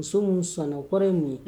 Muso minnu sɔnna kɔrɔ ye mun ye